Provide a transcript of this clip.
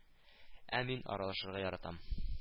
Ә мин аралашырга яратам